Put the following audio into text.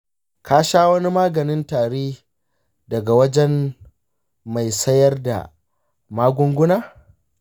ka sha wani maganin tari daga wajen mai sayar da magunguna?